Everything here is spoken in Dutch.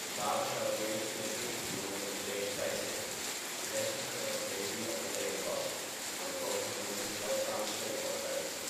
Later zou Prince in een interview met een Deens tijdschrift bevestigen dat de baby overleden was aan de bovengenoemde zeldzame schedelafwijking